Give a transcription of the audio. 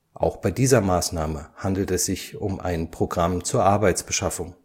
auch bei dieser Maßnahme handelte es sich um ein Programm zur Arbeitsbeschaffung